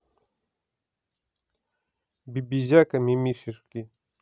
бибизяка мимимишки